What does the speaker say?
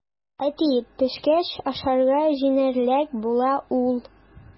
Әти, пешкәч ашарга җиңелрәк була ул.